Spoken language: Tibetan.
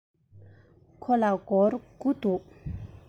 ཁོ ལ སྒོར དགུ འདུག